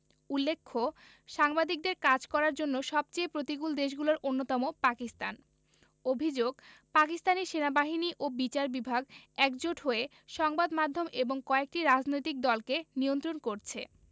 উল্লেখ্য সাংবাদিকদের কাজ করার জন্য সবচেয়ে প্রতিকূল দেশগুলোর অন্যতম পাকিস্তান অভিযোগ পাকিস্তানি সেনাবাহিনী ও বিচার বিভাগ একজোট হয়ে সংবাদ মাধ্যম এবং কয়েকটি রাজনৈতিক দলকে নিয়ন্ত্রণ করছে